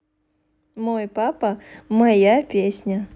мой папа мой песня